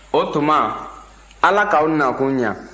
o tuma ala k'aw nakun ɲɛ